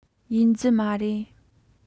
ཡིན རྒྱུ མ རེད